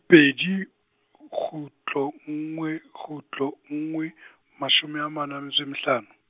pedi, kgutlo nngwe kgutlo nngwe, mashome a mane le metso e mme hlano.